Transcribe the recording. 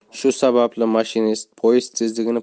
shu sababli mashinist poyezd tezligini